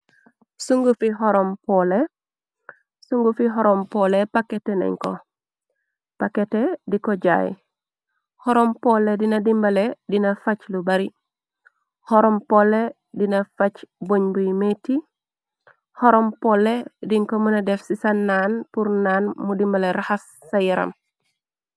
Sungu fi horompolle paketenañ ko, pakete di ko jaay, horompolle dina dimbale, dina facc lu bari. Horompole dina facc buñ buy metti, horompole diñko mëna def ci sànnaan purnaan, mu dimbale raxas sa yaram.